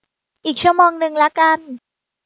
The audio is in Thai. อีกชั่วโมงนึงละกัน